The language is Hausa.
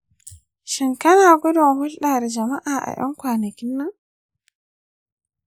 shin kana gudun hulɗa da jama'a a 'yan kwanakin nan?